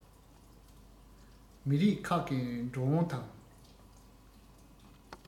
མི རིགས ཁག གི འགྲོ འོང དང